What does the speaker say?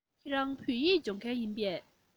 ཁྱེད རང བོད སྐད སྦྱོང མཁན ཡིན པས